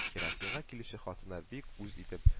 Керосинга килүче хатыннар, бик үз итеп: